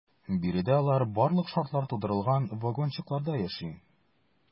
Биредә алар барлык шартлар тудырылган вагончыкларда яши.